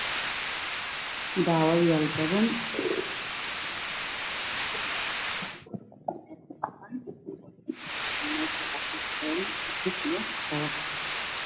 daawadayaal fara badan ayaa meeshan tuurin